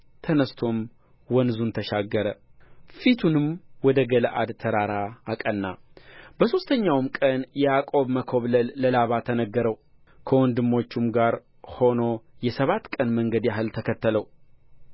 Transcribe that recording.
ተነሥቶም ወንዙን ተሻገረ ፊቱንም ወደ ገለዓድ ተራራ አቀና በሦስተኛውም ቀን የያዕቆብ መኮብለል ለላባ ተነገረው ከወንድሞቹም ጋር ሆኖ የሰባት ቀን መንገድ ያህል ተከተለው